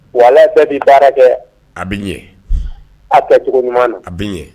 Wa bɛɛ bɛ baara kɛ a bɛ ɲɛ aw tɛ cogo ɲuman a bɛ ɲɛ